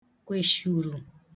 kwèshùrù